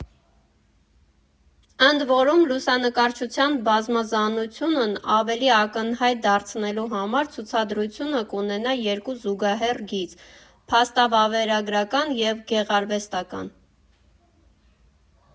Ընդ որում, լուսանկարչության բազմազանությունն ավելի ակնհայտ դարձնելու համար ցուցադրությունը կունենա երկու զուգահեռ գիծ՝ փաստավավերագրական և գեղարվեստական։